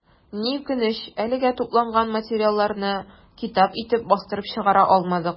Ни үкенеч, әлегә тупланган материалларны китап итеп бастырып чыгара алмадык.